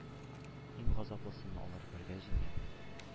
Иң газаплысын алар бергә җиңгән.